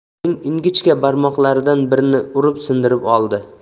uning ingichka barmoqlaridan birini urib sindirib oldi